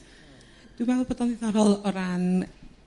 Dwi me'wl bod o ddiddorol o ran